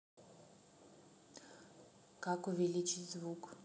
как увеличить звук